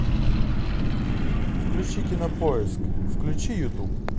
включи кинопоиск включи ютуб